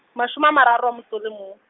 mashome a mararo a motso le mo.